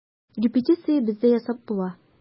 Репетиция бездә ясап була.